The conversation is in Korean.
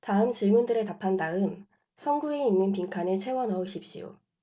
다음 질문들에 답한 다음 성구에 있는 빈칸을 채워 넣으십시오